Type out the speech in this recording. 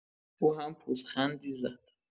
او هم پوزخندی زد.